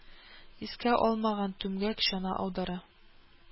Искә алмаган түмгәк чана аудара